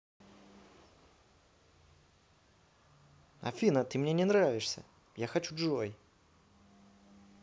афина ты мне не нравишься я хочу джой